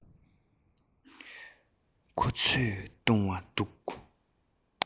ཁོ ཚོས བཏུང བ འདུག